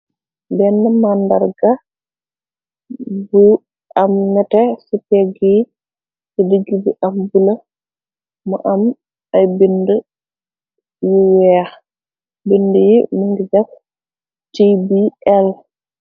Benn màndarga bu am nete ci tegg yi ci digg bi am bula. Mu am ay bind yu weex bind yi mungi def tbl.